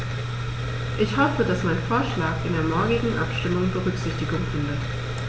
Ich hoffe, dass mein Vorschlag in der morgigen Abstimmung Berücksichtigung findet.